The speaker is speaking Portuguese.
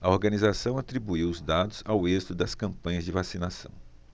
a organização atribuiu os dados ao êxito das campanhas de vacinação